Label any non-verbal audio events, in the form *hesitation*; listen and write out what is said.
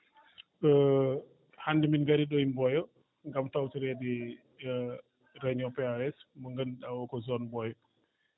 *hesitation* hannde min ngarii ɗo e Mboyo ngam tawtoreede *hesitation* réunion POAS mo ngannduɗaa o ko zone Mboya